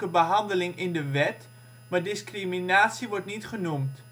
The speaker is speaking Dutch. behandeling in de wet, maar discriminatie wordt niet genoemd